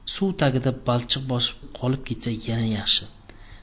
suv tagida balchiq bosib qolib ketsa yana yaxshi